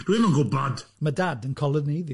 Dwi'm yn gwbod! Ma' dad yn coloneiddio.